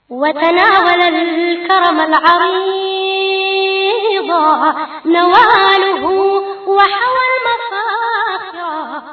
Wadugukɔrɔ mɔlondugu wa